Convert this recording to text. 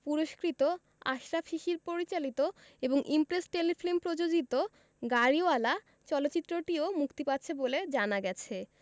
পুরস্কৃত আশরাফ শিশির পরিচালিত এবং ইমপ্রেস টেলিফিল্ম প্রযোজিত গাড়িওয়ালা চলচ্চিত্রটিও মুক্তি পাচ্ছে বলে জানা গেছে